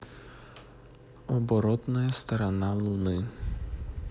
оборотная сторона луны